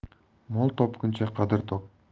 mol topguncha qadr top